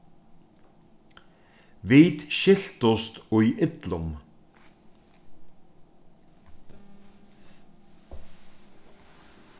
vit skiltust í illum